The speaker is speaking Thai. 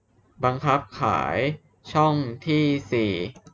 บังคับขายช่องที่สี่